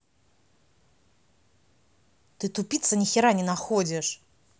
ты тупица нихера не находишь